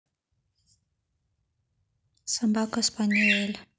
собака спаниэль